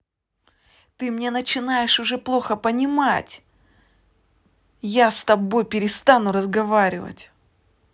ты мне начинаешь уже плохо понимать я с тобой перестану разговаривать